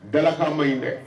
Dalahama ɲi dɛ